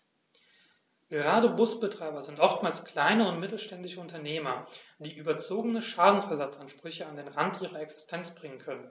Gerade Busbetreiber sind oftmals kleine und mittelständische Unternehmer, die überzogene Schadensersatzansprüche an den Rand ihrer Existenz bringen können.